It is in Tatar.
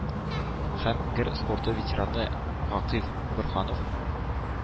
Һәм гер спорты ветераны гакыйф борһанов,